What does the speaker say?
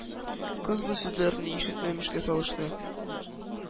Кыз бу сүзләрне ишетмәмешкә салышты.